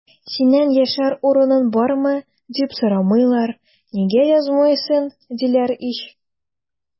Синнән яшәр урының бармы, дип сорамыйлар, нигә язмыйсың, диләр ич!